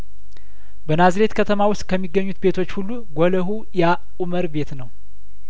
በናዝሬት ከተማ ውስጥ ከሚገኙ ቤቶች ሁሉ ጉልሁ ያኡመር ቤት ነው